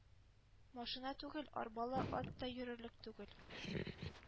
Машина түгел, арбалы ат та йөрерлек түгел.